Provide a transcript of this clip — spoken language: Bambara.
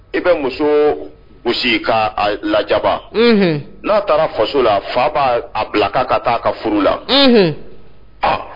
I bɛ muso gosi k ka lajaban n'a taara faso la fa b' a bilaka ka taa a ka furu la